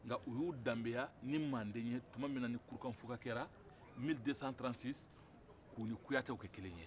nka u y'u danbeya ni manden ye tuma minna ni kurukanfukka kɛra mille deux-cent trente-six k'u ni kuyate kɛ kelen ye